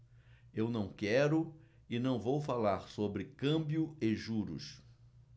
eu não quero e não vou falar sobre câmbio e juros